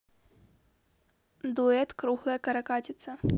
дуэт круглая каракатица